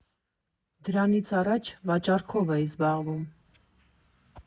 Դրանից առաջ վաճառքով էի զբաղվում։